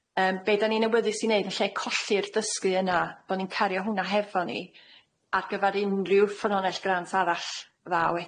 Yym be' 'da ni'n awyddus i neud yn lle colli'r dysgu yna, bo' ni'n cario hwn'na hefo ni ar gyfar unrhyw ffynhonnell grant arall ddaw eto.